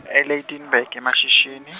e- Lydenburg e- Mashishini.